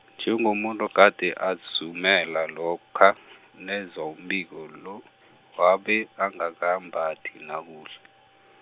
njengomuntu ogade azumela lokha , nezwa umbiko lo , wabe angakambathi nakuhle.